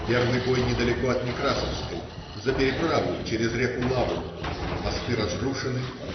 Первый бой недалеко от Некрасовской, за переправу через реку Лабу. Мосты разрушены.